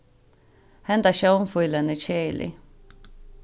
henda sjónfílan er keðilig